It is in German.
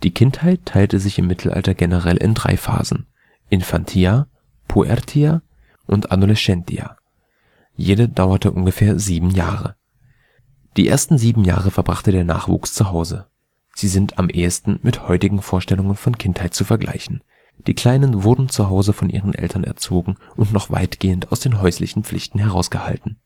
Kindheit teilte sich im Mittelalter generell in drei Phasen: infantia, puertia und adolescentia. Jede dauerte ungefähr sieben Jahre. Die ersten sieben Jahre verbrachte der Nachwuchs zuhause. Sie sind am ehesten mit heutigen Vorstellungen von Kindheit zu vergleichen. Die Kleinen wurden zuhause von ihren Eltern erzogen und noch weitgehend aus den häuslichen Pflichten herausgehalten